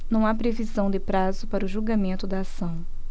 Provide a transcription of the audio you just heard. não há previsão de prazo para o julgamento da ação